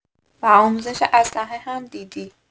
و آموزش اسلحه هم دیدی